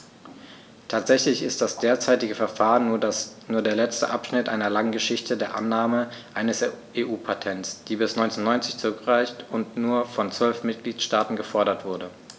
Tatsächlich ist das derzeitige Verfahren nur der letzte Abschnitt einer langen Geschichte der Annahme eines EU-Patents, die bis 1990 zurückreicht und nur von zwölf Mitgliedstaaten gefordert wurde.